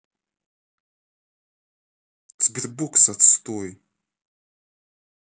sberbox отстой